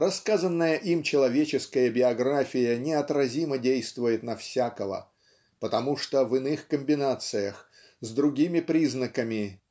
Рассказанная им человеческая биография неотразимо действует на всякого потому что в иных комбинациях с другими признаками